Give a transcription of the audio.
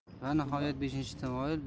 va nihoyat beshinchi tamoyil